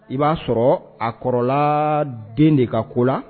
I b'a sɔrɔ a kɔrɔla den de ka ko la